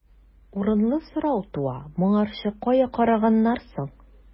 Урынлы сорау туа: моңарчы кая караганнар соң?